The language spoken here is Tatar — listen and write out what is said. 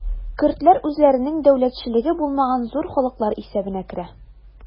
Көрдләр үзләренең дәүләтчелеге булмаган зур халыклар исәбенә керә.